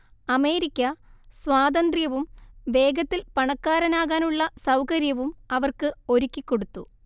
America സ്വാതന്ത്ര്യവും വേഗത്തിൽ പണക്കാരനാകാനുള്ള സൗകര്യവും അവർക്ക് ഒരുക്കിക്കൊടുത്തു